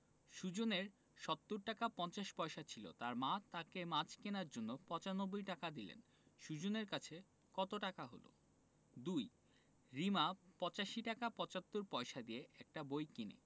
সুজনের ৭০ টাকা ৫০ পয়সা ছিল তার মা তাকে মাছ কেনার জন্য ৯৫ টাকা দিলেন সুজনের কত টাকা হলো ২ রিমা ৮৫ টাকা ৭৫ পয়সা দিয়ে একটা বই কিনে